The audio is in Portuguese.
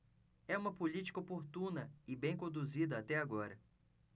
é uma política oportuna e bem conduzida até agora